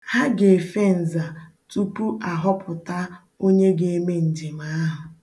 Ha ga-efe nza tupu a họpụta onye ga-eme njem ahụ.